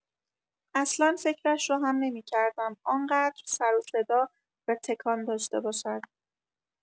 اصلا فکرش را هم نمی‌کردم آنقدر سر و صدا و تکان داشته باشد.